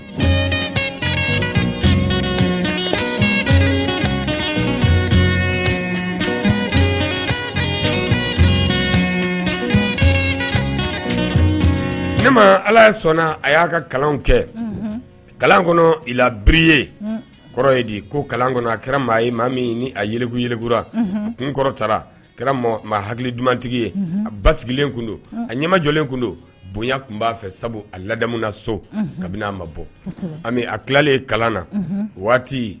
Ne ala ye sɔnna a y'a ka kalan kɛ kalan kɔnɔ i labiri ye kɔrɔ ye di ko kalan kɔnɔ a kɛra maa ye maa min ɲini a yirikuyugura kunkɔrɔ taara kɛra hakili dumantigi ye a ba sigilenlen tun a ɲamamajɔlen tun bonya tun b aa fɛ sabu a ladamu na so kabini a ma bɔ a a tilalen kalan na waati